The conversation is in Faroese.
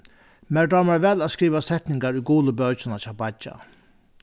mær dámar væl at skriva setningar í gulu bókina hjá beiggja